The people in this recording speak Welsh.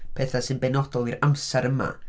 Pethau sy'n benodol i'r amser yma.